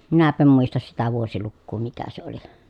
minäpä en muista sitä vuosilukua mikä se oli